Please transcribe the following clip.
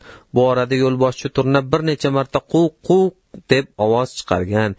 bu orada yo'lboshchi turna bir necha marta quvq quvq deb ovoz chiqargan